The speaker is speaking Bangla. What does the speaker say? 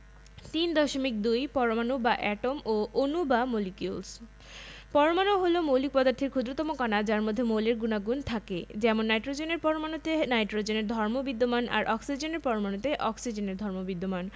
৩.২ পরমাণু বা এটম ও অণু বা মলিকিউলস পরমাণু হলো মৌলিক পদার্থের ক্ষুদ্রতম কণা যার মধ্যে মৌলের গুণাগুণ থাকে যেমন নাইট্রোজেনের পরমাণুতে নাইট্রোজেনের ধর্ম বিদ্যমান আর অক্সিজেনের পরমাণুতে অক্সিজেনের ধর্ম বিদ্যমান